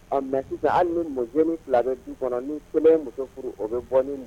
Mɛ hali ni mɔ min fila bɛ bi kɔnɔ muso furu o bɛ bɔ